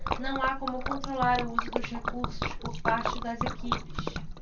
não há como controlar o uso dos recursos por parte das equipes